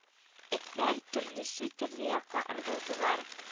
Этләр төрлесе төрле якка ыргылдылар